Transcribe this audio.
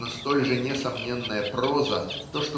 но столь же несомненная проза -- то